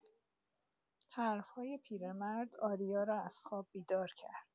حرف‌های پیرمرد، آریا را از خواب بیدار کرد.